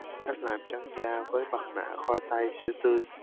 cách làm trắng da với mặt nạ khoai tây sữa tươi